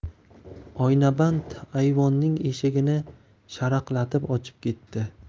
oynaband ayvonning eshigini sharaqlatib ochib keti